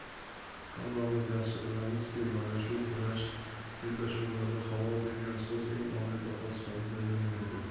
hammamiz yaxshi bilamizki mana shu kurash bellashuvlarida halol degan so'z eng oliy baho sifatida yangraydi